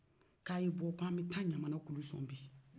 k'a ye bɔ k'an bɛ taa ɲamana kulu sɔn bi